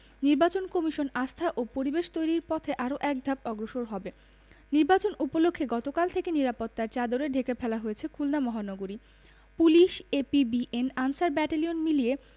নির্বাচন কমিশন আস্থা ও পরিবেশ তৈরির পথে আরো একধাপ অগ্রসর হবে নির্বাচন উপলক্ষে গতকাল থেকে নিরাপত্তার চাদরে ঢেকে ফেলা হয়েছে খুলনা মহানগরী পুলিশ এপিবিএন আনসার ব্যাটালিয়ন মিলিয়ে